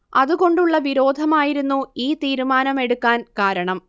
അതുകൊണ്ടുള്ള വിരോധമായിരുന്നു ഈ തീരുമാനമെടുക്കാൻ കാരണം